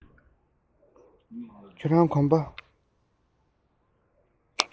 ཁྱོད རང གོམ པ